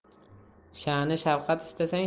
sha'ni shavqat istasang